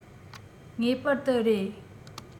ངེས པར དུ རེད